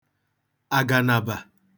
àgànàbà